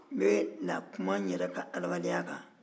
n bɛ na kuma n yɛrɛ ka adamadenya kan